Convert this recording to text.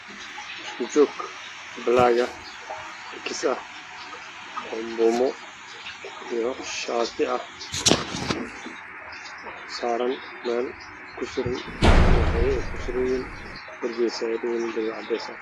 Waa isku joog madow ah oo X ah